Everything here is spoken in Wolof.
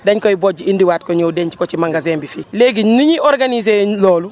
dañ koy bojj indiwaat ko ñëw denc ko ci magasin bi fii léegi ni ñuy organiser loolu